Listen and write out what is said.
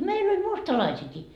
meillä oli mustalaisiakin